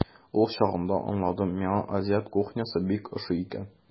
Ул чагында аңладым, миңа азиат кухнясы бик ошый икән.